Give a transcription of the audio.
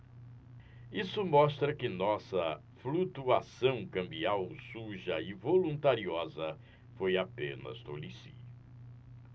isso mostra que nossa flutuação cambial suja e voluntariosa foi apenas tolice